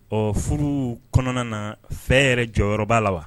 Ɔ furu kɔnɔna na fɛ yɛrɛ jɔyɔrɔba la wa?